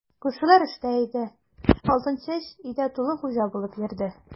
Күршеләр эштә иде, Алтынчәч өйдә тулы хуҗа булып йөрде.